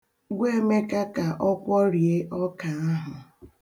Gwa Emeka ka ọ kwọrie ọka ahụ.